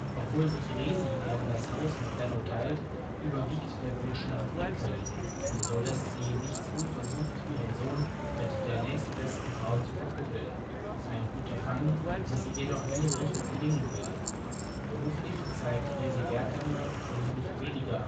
Obwohl sich Resi gern das Haus mit Benno teilt, überwiegt der Wunsch nach Enkeln, und so lässt sie nichts unversucht, ihren Sohn mit der nächstbesten Frau zu verkuppeln, ein Unterfangen, das ihr jedoch nie recht gelingen will. Beruflich zeigt Resi Berghammer sich nicht weniger